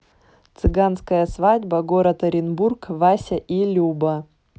цыганская свадьба город оренбург вася и люба